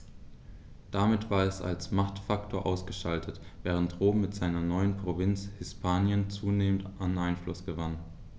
Damit war es als Machtfaktor ausgeschaltet, während Rom mit seiner neuen Provinz Hispanien zunehmend an Einfluss gewann.